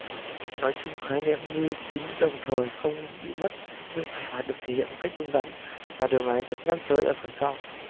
nói chung khái niệm như tính đồng thời không bị mất nhưng phải được thể hiện một cách đúng đắn và điều này được nhắc tới ở phần sau